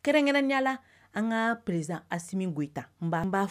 Kɛrɛnkɛrɛn ɲɛla an ka perez ami gta b'a